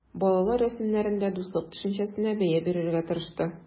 Балалар рәсемнәрендә дуслык төшенчәсенә бәя бирергә тырышты.